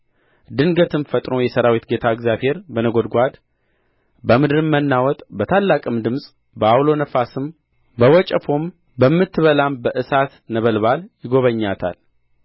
ድንገትም ፈጥኖ የሠራዊት ጌታ እግዚአብሔር በነጐድጓድ በምድርም መናወጥ በታላቅም ድምፅ በዐውሎ ነፋስም በወጨፎም በምትበላም በእሳት ነበልባል ይጐበኛታል